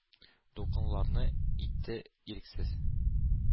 Дулкыннарны итте ирексез,